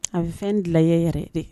A bɛ fɛn dilan yɛrɛ de